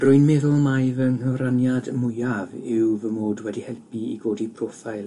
Rwy'n meddwl mai fy nghyfraniad mwyaf yw fy mod wedi helpu i godi proffeil